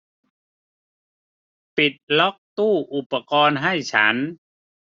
ปิดล็อคตู้อุปกรณ์ให้ฉัน